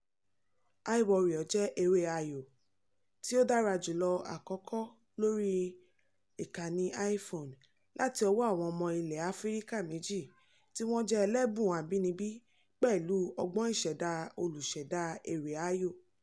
iWarrior jẹ́ eré ayò tí ó dára jùlọ àkọ́kọ́ lórí ìkànnì iPhone láti ọwọ́ àwọn ọmọ ilẹ̀ Áfíríkà méjì tí wọ́n jẹ́ ẹlẹ́bùn abínibí pẹ̀lú ọgbọ́n ìṣẹ̀dá olùṣẹ̀dá eré ayò.